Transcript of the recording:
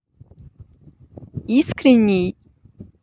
искренний